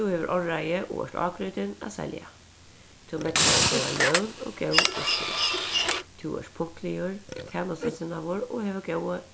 tú hevur áræði og ert ágrýtin at selja tú megnar at gera jøvn og góð úrslit tú ert punktligur tænastusinnaður og hevur